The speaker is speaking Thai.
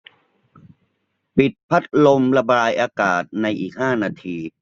ปิดพัดลมระบายอากาศในอีกห้านาที